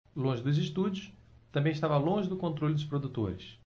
longe dos estúdios também estava longe do controle dos produtores